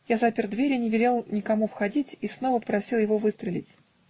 Я запер двери, не велел никому входить и снова просил его выстрелить.